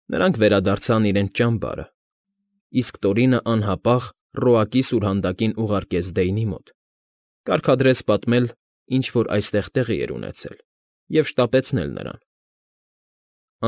Նրանք վերադարձան իրենց ճամբարը, իսկ Տորինն անհապաղ Ռոակի սուրհանդակին ուղարկեց Դեյնի մոտ, կարգադրեց պատմել, ինչ֊որ այստեղ տեղի էր ունեցել, և շտապեցնել նրան։